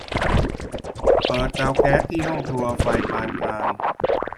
เปิดเตาแก๊สที่ห้องครัวไฟปานกลาง